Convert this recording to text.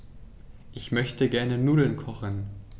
Ich möchte gerne Nudeln kochen.